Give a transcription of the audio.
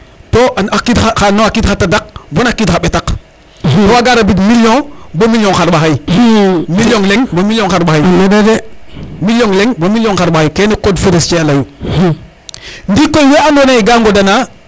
to xa kid xa non xa kiid xa tadak bona xa qiid xa ɓetak to waga rabid million bo million xarɓaxay million leŋ bo million xarɓaxay kene code forestier a leyu ndiki koy we ando naye ga ngodana